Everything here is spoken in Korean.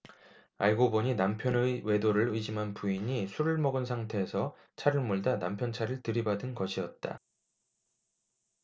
알고 보니 남편의 외도를 의심한 부인이 술을 먹은 상태에서 차를 몰다 남편 차를 들이받은 것이었다